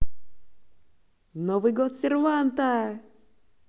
новый год серванта